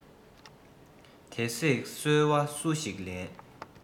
དེ བསྲེགས སོལ བ སུ ཞིག ལེན